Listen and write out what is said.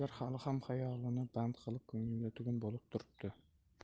band qilib ko'nglida tugun bo'lib turibdi